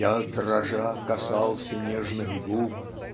Я дрожа касался нежных губ.